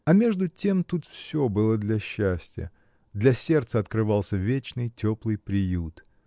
А между тем тут всё было для счастья: для сердца открывался вечный, теплый приют.